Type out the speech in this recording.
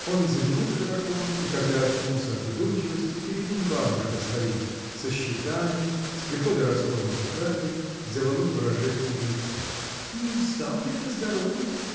Он зевнул широко, и когда очнулся от задумчивости, перед ним бабушка стоит со счетами, с приходо-расходной тетрадью, с деловым выражением в лице. — Не устал ли ты с дороги?